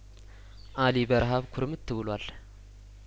አሊ በረሀብ ኩርምት ብሏል